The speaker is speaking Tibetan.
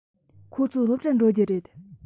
ཁོ ཚོ སློབ གྲྭར འགྲོ རྒྱུ རེད